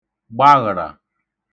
gbaghə̣̀rà